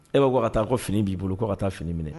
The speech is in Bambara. E bɛ bɔ ka taa ko fini in b'i bolo ko ka taa fini minɛ